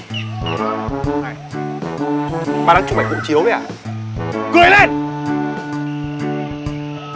ảnh hộ chiếu đấy à cười lên